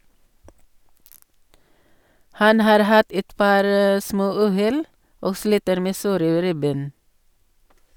Han har hatt et par småuhell og sliter med såre ribben.